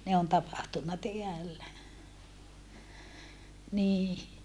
ne on tapahtunut täällä niin